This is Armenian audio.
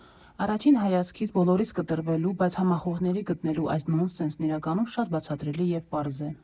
Առաջին հայացքից՝ բոլորից կտրվելու, բայց համախոհների գտնելու այս նոնսենսն իրականում շատ բացատրելի և պարզ է։